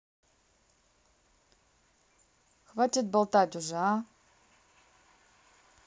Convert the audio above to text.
хватит болтать уже а